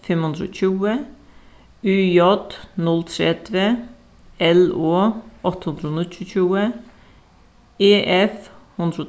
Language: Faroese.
fimm hundrað og tjúgu y j null tretivu l o átta hundrað og níggjuogtjúgu e f hundrað og